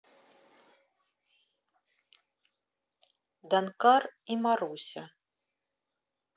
данкар и маруся